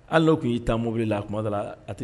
Hali tun y'i ta mobiliri la a kuma da ati